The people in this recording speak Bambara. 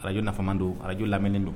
radio nafaman don, radio lamɛni don.